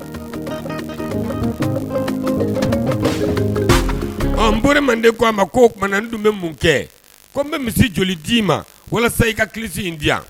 N bo manden ko a ma ko o tuma dun bɛ mun kɛ ko n bɛ misi joli d dii ma walasa i ka kilisisi in di yan